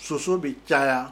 Soso bɛ caya